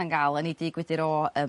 ...yn ga'l yn 'i dŷ gwydyr o ym...